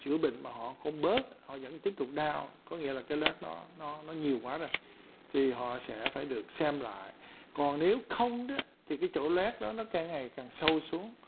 chữa bệnh mà họ không bớt họ vẫn tiếp tục đao có nghĩa là nó nó nó nó nhiều quá rồi thì họ sẽ phải được xem lại còn nếu không á thì cái chỗ loét nó nó càng ngày càng sâu xuống